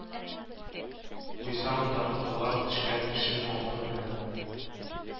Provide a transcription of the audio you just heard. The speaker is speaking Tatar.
Куйса монда корткалар төшкән тешен алтын белән